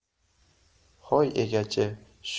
hoy egachi shu yerlikmisiz